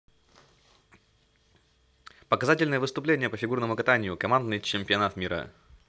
показательные выступления по фигурному катанию командный чемпионат мира